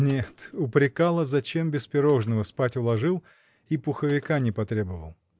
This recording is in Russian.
— Нет, упрекала, зачем без пирожного спать уложил и пуховика не потребовал.